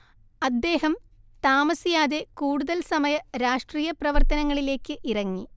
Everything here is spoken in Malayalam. അദ്ദേഹം താമസിയാതെ കൂടുതൽ സമയ രാഷ്ട്രീയ പ്രവർത്തനത്തിലെക്ക് ഇറങ്ങി